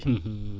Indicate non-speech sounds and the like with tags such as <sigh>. <hesitation> <hesitation>